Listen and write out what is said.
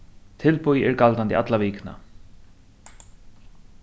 tilboðið er galdandi alla vikuna